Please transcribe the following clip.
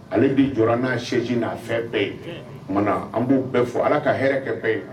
Ale bi jɔ n'a sɛji n'a fɛn bɛɛ ye munna an b'u bɛɛ fo ala ka hɛrɛɛkɛ bɛɛ ye